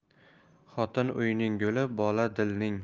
xotin uyning guli bola dilning